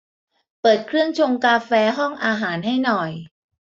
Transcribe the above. เปิดเครื่องชงกาแฟห้องอาหารให้หน่อย